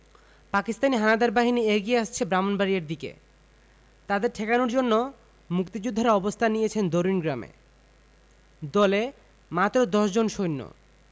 পাকিস্তানি হানাদার বাহিনী এগিয়ে আসছে ব্রাহ্মনবাড়িয়ার দিকে তাদের ঠেকানোর জন্য মুক্তিযোদ্ধারা অবস্থান নিয়েছেন দরুইন গ্রামে দলে মাত্র দশজন সৈন্য